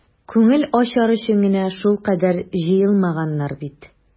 Күңел ачар өчен генә шулкадәр җыелмаганнар бит.